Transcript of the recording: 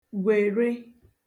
gwère